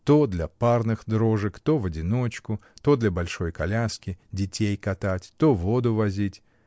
то для парных дрожек, то в одиночку, то для большой коляски — детей катать, то воду возить